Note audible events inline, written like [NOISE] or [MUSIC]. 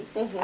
[HESITATION] [HESITATION]